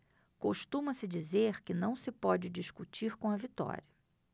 costuma-se dizer que não se pode discutir com a vitória